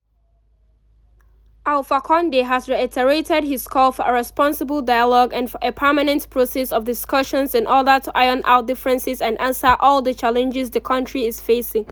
Alpha Condé has reiterated his call for a responsible dialogue and for a permanent process of discussions in order to iron out differences and answer all the challenges the country is facing.